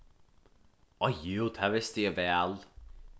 áh jú tað visti eg væl